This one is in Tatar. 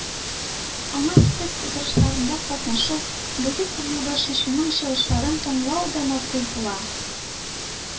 Аңа ВЦИК утырышларында катнашу, бөек юлбашчының чыгышларын тыңлау насыйп була